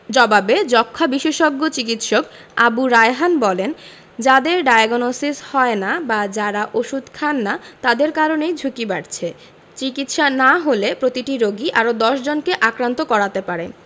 জবাবে যক্ষ্মা বিশেষজ্ঞ চিকিৎসক আবু রায়হান বলেন যাদের ডায়াগনসিস হয় না বা যারা ওষুধ খান না তাদের কারণেই ঝুঁকি বাড়ছে চিকিৎসা না হলে প্রতিটি রোগী আরও ১০ জনকে আক্রান্ত করাতে পারে